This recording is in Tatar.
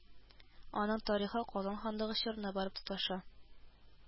Аның тарихы Казан ханлыгы чорына барып тоташа